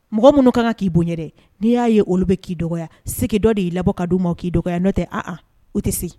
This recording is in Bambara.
Mɔgɔ minnu kan ka k'i bonyaɲɛ dɛ n'i y'a ye olu bɛ k'i dɔgɔya seg dɔ y'ibɔ k ka di u ma k'i dɔgɔya n'o tɛ a u tɛ se